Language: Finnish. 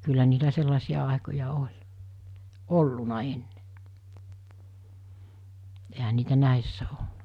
kyllä niitä sellaisia aikoja oli ollut ennen eihän niitä näissä ole